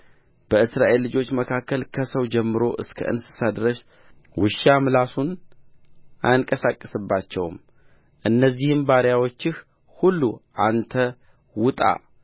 በእስራኤል ልጆች መካከል ከሰው ጀምሮ እስከ እንስሳ ድረስ ውሻ ምላሱን አያንቀሳቅስባቸውም እነዚህም ባሪያዎችህ ሁሉ አንተ ውጣ